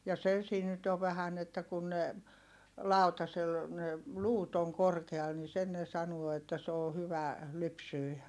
ja se siinä nyt on vähän että kun ne lautasella ne luut on korkealla niin sen ne sanoo että se on - hyvälypsyinen